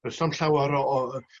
Does na'm llawar o o yy